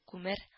-күмер